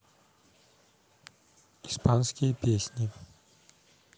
испанские песни